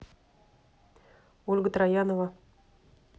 ольга троянова